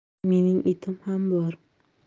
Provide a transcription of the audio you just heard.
mening itim ham bor